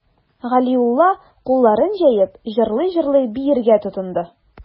Галиулла, кулларын җәеп, җырлый-җырлый биергә тотынды.